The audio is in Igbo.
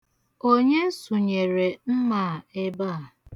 Onye sunyere mma a ebe a?